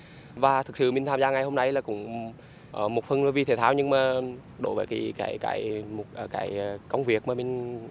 và thực sự mình tham gia ngày hôm nay là cũng ở một phần là vì thể thao nhưng mà đối với cái cái cái mục ở cái công việc mà mình